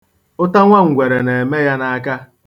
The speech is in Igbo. Ụtanwangwere na-eme ya n'aka.